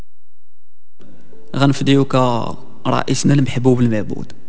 اغاني فيديو كاظم رئيسنا المحبوب المعبود